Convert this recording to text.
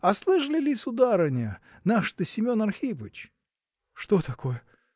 А слышали ли, сударыня: наш-то Семен Архипыч?. – Что такое?